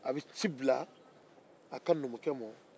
a bɛ ci bila a ka numukɛ ma